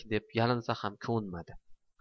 deb yalinsa ham ko'nmadi